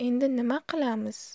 endi nima qilamiz